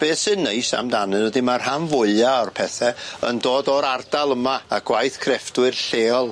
Be' sy'n neis amdanyn nw 'di ma rhan fwya o'r pethe yn dod o'r ardal yma a gwaith crefftwyr lleol.